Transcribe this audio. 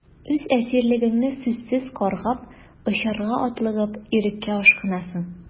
Үз әсирлегеңне сүзсез каргап, очарга атлыгып, иреккә ашкынасың...